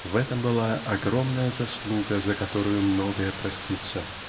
В этом была огромная заслуга, за которую многое простится.